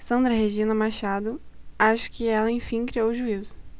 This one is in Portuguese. sandra regina machado acho que ela enfim criou juízo